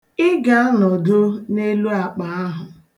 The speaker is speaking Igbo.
Ị ga-anọdo n'elu akpa ahụ.